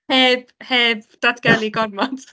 Heb heb datgelu gormod!